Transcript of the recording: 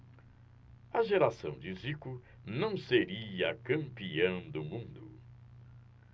a geração de zico não seria campeã do mundo